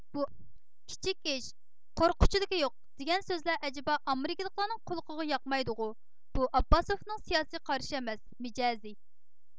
كىچىك ئىش قورققۇچىلىكى يوق دېگەن سۆزلەر ئەجەبا ئامېرىكىلىكلارنىڭ قۇلىقىغا ياقمايدۇغۇ بۇ ئابباسۇفنىڭ سىياسىي قارىشى ئەمەس مىجەزى